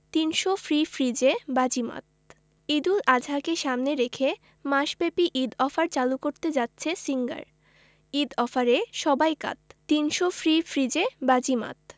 ৩০০ free ফ্রিজে বাজিমাত ঈদুল আজহাকে সামনে রেখে মাসব্যাপী ঈদ অফার চালু করতে যাচ্ছে সিঙ্গার ঈদ অফারে সবাই কাত ৩০০ ফ্রি ফ্রিজে বাজিমাত